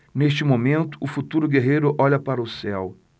neste momento o futuro guerreiro olha para o céu